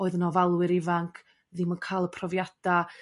oedd yn ofalwyr ifanc ddim yn ca'l y profiada'